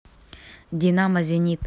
динамо зенит